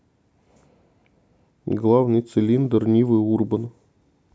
главный цилиндр нивы урбан